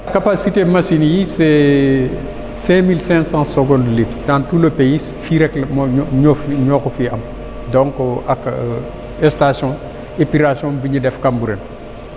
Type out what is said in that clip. capacité machines yi c' est cinq mille cinq cent secondes litres dans tout le pays fii rek mooy ñoo ñun ñoo ko fiy am donc ak station épuration bi ñu def Cambérène